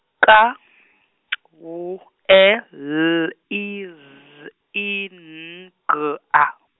K, W E L I Z I N G A.